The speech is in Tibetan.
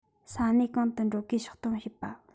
ས གནས གང དུ འགྲོ དགོས ཕྱོགས སྟོན བྱེད པ